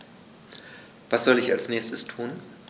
Was soll ich als Nächstes tun?